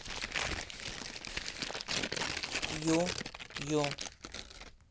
ю ю